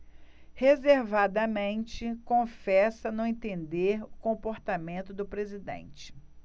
reservadamente confessa não entender o comportamento do presidente